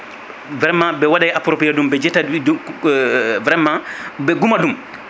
vraiment ɓe waɗa approprié ɗum ɓe ƴetta ɗum ko vraiment ɓe gumaɗum